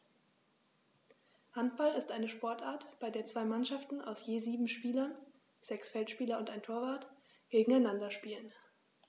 Handball ist eine Sportart, bei der zwei Mannschaften aus je sieben Spielern (sechs Feldspieler und ein Torwart) gegeneinander spielen.